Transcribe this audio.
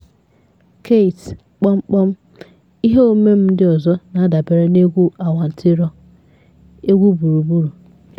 Keyti ​​: Ihe omume m ndị ọzọ na-adabere n'egwu awantịrọ, egwu gburugburu.